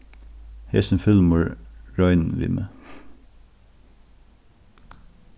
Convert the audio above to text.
hesin filmur rein við meg